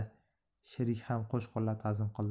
sherigi ham qo'sh qo'llab ta'zim qildi